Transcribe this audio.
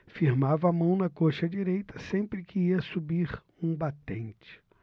firmava a mão na coxa direita sempre que ia subir um batente